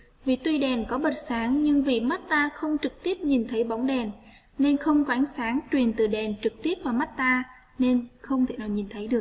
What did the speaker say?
vì tuy đèn có mặt sáng nhưng vì mất ta không trực tiếp nhìn thấy bóng đèn nên không có ánh sáng truyền từ đèn trực tiếp vào mắt ta nên không thể nhìn thấy